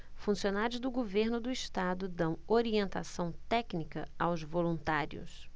funcionários do governo do estado dão orientação técnica aos voluntários